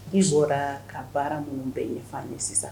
N' bɔra ka baara minnu bɛɛ ɲɛ sisan